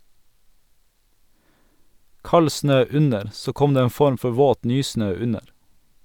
Kald snø under, så kom det en form for våt nysnø under.